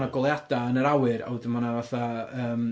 mae 'na goleuadau yn yr awyr, a wedyn mae 'na fatha yym...